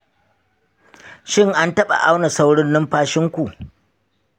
shin an taɓa auna saurin numfashinku?